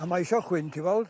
A ma' isio chwyn ti'n weld?